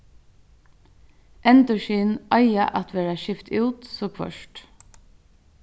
endurskin eiga at verða skift út so hvørt